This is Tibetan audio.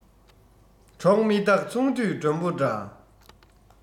གྲོགས མི རྟག ཚོང འདུས མགྲོན པོ འདྲ